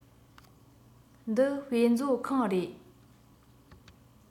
འདི དཔེ མཛོད ཁང རེད